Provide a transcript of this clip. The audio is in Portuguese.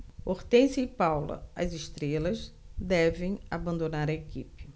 hortência e paula as estrelas devem abandonar a equipe